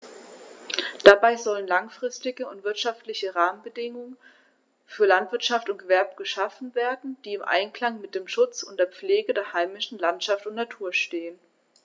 Dabei sollen langfristige und wirtschaftliche Rahmenbedingungen für Landwirtschaft und Gewerbe geschaffen werden, die im Einklang mit dem Schutz und der Pflege der heimischen Landschaft und Natur stehen.